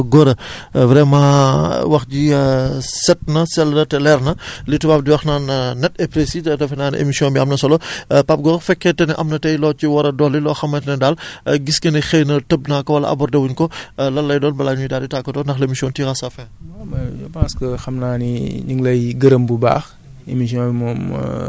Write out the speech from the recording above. kon donc defe naa ne mbokk auditeurs yi leer na ki nga xam ne moom mooy Pape Gora vraiment wax ji set na sell na te leer na li tubaab di wax naan net et prècis defenaa ne émission bi am na solo Pape gora bu fekkente ne am na tey loo ci war a dolli loo xamante ne daal gis nga ni xëy na tëb naa ko wala aborder wu ñu ko lan lay doon balaa ñuy daal di tàggatoo ndax l' émission tire à sa fin